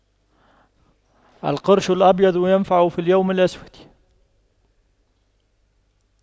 القرش الأبيض ينفع في اليوم الأسود